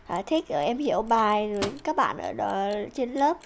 à thích ờ em hiểu bài rồi các bạn ở đó trên lớp